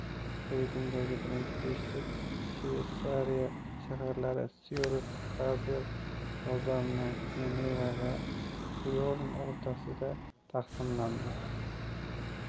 reytingdagi birinchi beshlik shveysariya shaharlari syurix bazel lozanna jeneva va byorn o'rtasida taqsimlandi